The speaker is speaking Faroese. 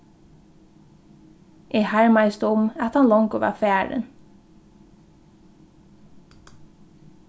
eg harmaðist um at hann longu var farin